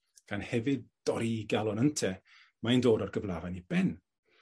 gan hefyd dorri 'i galon ynte, mae'n dod â'r gyflafan i ben.